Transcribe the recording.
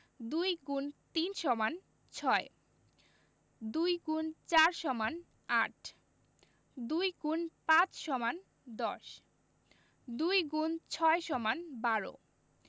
২ X ৩ = ৬ ২ X ৪ = ৮ ২ X ৫ = ১০ ২ X ৬ = ১২